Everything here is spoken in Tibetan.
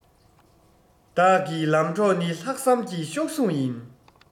བདག གི ལམ གྲོགས ནི ལྷག བསམ གྱི གཤོག ཟུང ཡིན